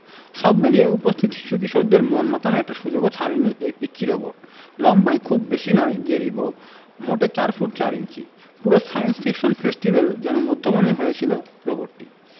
সব মিলিয়ে উপস্থিত শিশু কিশোরদের মন মাতানোর একটি সুযোগও ছাড়েনি এই পিচ্চি রোবট লম্বায় খুব বেশি নয় যে রিবো মোটে ৪ ফুট ৪ ইঞ্চি পুরো সায়েন্স ফিকশন ফেস্টিভ্যালে যেন মধ্যমণি হয়েছিল রোবটটি